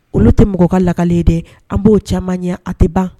Olu tɛ mɔgɔ ka lakale ye dɛ , an b'o caaman ye a a tɛ ban.